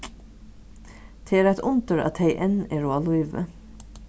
tað er eitt undur at tey enn eru á lívi